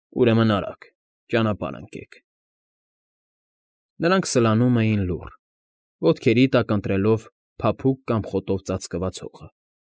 Ուրեմն, արագ ճանապարհ ընկեք։ Նրանք սլանում էին լուռ, ոտքերի տակ ընտրելով փափուկ կամ խոտով ծածկված հողը։